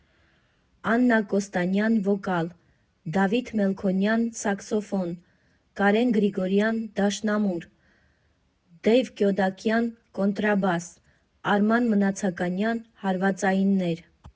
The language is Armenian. Աննա Կոստանյան՝ վոկալ, Դավիթ Մելքոնյան՝ սաքսոֆոն, Կարեն Գրիգորյան՝ դաշնամուր, Դեյվ Գյոդակյան՝ կոնտրաբաս, Արման Մնացականյան՝ հարվածայիններ։